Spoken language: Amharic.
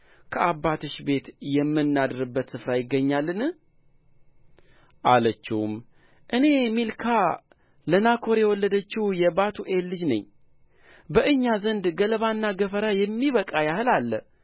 ከአባትሽ ቤት የምናድርበት ስፍራ ይገኛልን አለችውም እኔ ሚልካ ለናኮር የወለደችው የባቱኤል ልጅ ነኝ በእኛ ዘንድ ገለባና ገፈራ የሚበቃ ያህል አለ